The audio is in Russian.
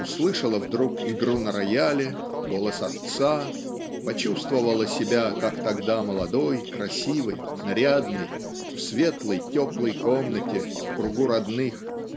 услышала вдруг игру на рояле голос отца почувствовала себя как тогда молодой красивой нарядной в светлой теплой комнате в кругу родных